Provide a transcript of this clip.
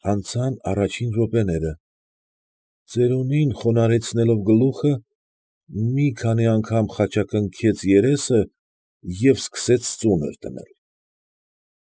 Անցան առաջին րոպեները ծերունին խոնհարեցնելով գլուխը մի քանի անգամ խաչակնքեց երեսը և սկցեց ծունր դնել։